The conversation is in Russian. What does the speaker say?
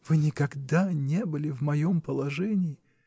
Вы никогда не были в моем положении.